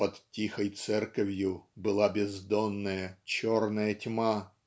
"Под тихой церковью была бездонная черная тьма"